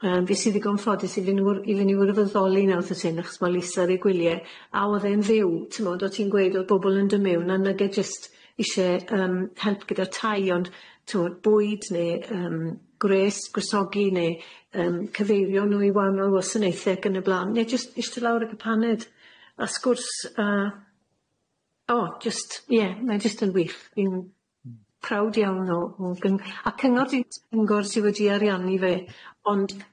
Yym fues i ddigon ffodus i fyn' wr- i fyn' wirfoddoli yne wsos hyn achos ma' Lisa ar ei gwylie a o'dd e'n fyw t'mod o' ti'n gweud o'dd bobol yn dy' mewn a nage jyst ishe yym help gyda'r tai ond t'mod bwyd ne' yym gwrês gwresogi ne' yym cyfeirio n'w i wanol wasanaethe ag yn y bla'n ne' jyst iste lawr a ca'l paned a sgwrs yy o jyst ie mae jyst yn wych fi'n prowd iawn o o gyng- a cyngor sy wedi ariannu fe ond